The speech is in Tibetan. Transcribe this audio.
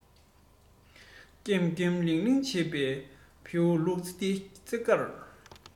ཀེམ ཀེམ ལིང ལིང བྱེད པའི བེའུ ལུག གི རྩེད གར